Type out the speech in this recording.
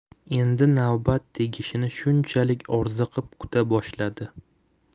endi navbat tegishini shunchalik orziqib kuta boshladi